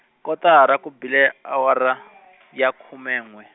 kotara ku bile awara, ya khume n'we.